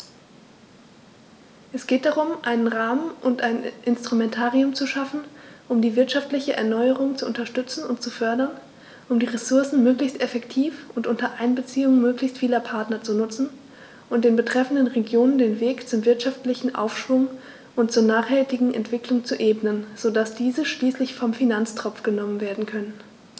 Es geht darum, einen Rahmen und ein Instrumentarium zu schaffen, um die wirtschaftliche Erneuerung zu unterstützen und zu fördern, um die Ressourcen möglichst effektiv und unter Einbeziehung möglichst vieler Partner zu nutzen und den betreffenden Regionen den Weg zum wirtschaftlichen Aufschwung und zur nachhaltigen Entwicklung zu ebnen, so dass diese schließlich vom Finanztropf genommen werden können.